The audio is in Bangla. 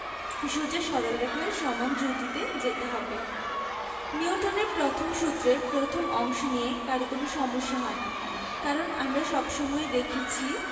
সোজা সরল রেখায় সমান দ্রুতিতে যেতে হবে নিউটনের প্রথম সূত্রের প্রথম অংশ নিয়ে কারো সমস্যা হয় না কারণ আমরা সব সময়ই দেখেছি